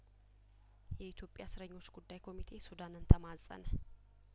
የኢትዮጵያ እስረኞች ጉዳይኮሚቴ ሱዳንን ተማጸነ